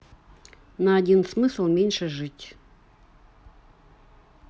на один смысл меньше жить